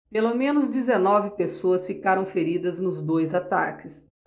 pelo menos dezenove pessoas ficaram feridas nos dois ataques